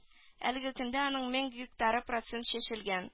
Әлеге көндә аның мең гектары процент чәчелгән